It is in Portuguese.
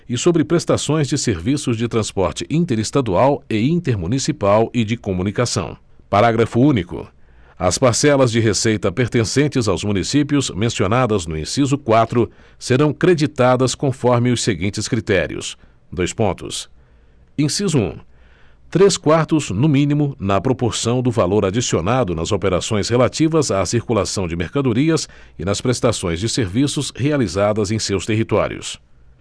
e sobre prestações de serviços de transporte interestadual e intermunicipal e de comunicação parágrafo único as parcelas de receita pertencentes aos municípios mencionadas no inciso quatro serão creditadas conforme os seguintes critérios dois pontos inciso um três quartos no mínimo na proporção do valor adicionado nas operações relativas à circulação de mercadorias e nas prestações de serviços realizadas em seus territórios